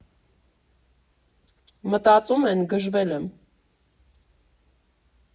Մտածում են՝ գժվել եմ։